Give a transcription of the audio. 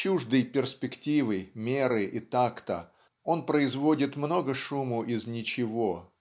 Чуждый перспективы, меры и такта, он производит много шуму из ничего